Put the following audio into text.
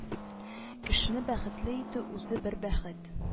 Кешене бәхетле итү - үзе бер бәхет